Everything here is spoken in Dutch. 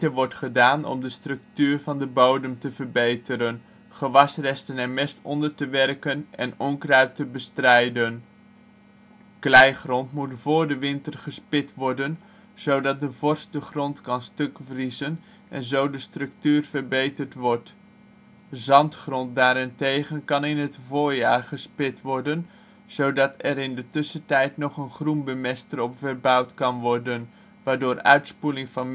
wordt gedaan om de structuur van de bodem te verbeteren, gewasresten en mest onder te werken en onkruid te bestrijden. Kleigrond moet voor de winter gespit worden, zodat door de vorst de grond kan stukvriezen en zo de structuur verbeterd wordt. Zandgrond daarentegen kan in het voorjaar gespit worden, zodat er in de tussentijd nog een groenbemester op verbouwd kan worden, waardoor uitspoeling van